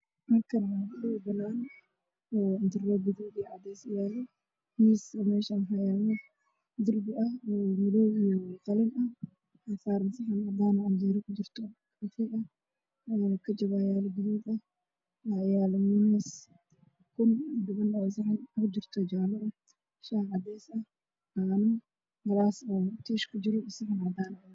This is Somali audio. Meel banaan Oo intaaro loog yaallo sidoo kale waxaa yaalla gaari caddaan